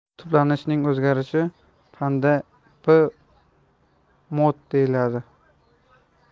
qutblanishning o'zgarishi fanda b mod deyiladi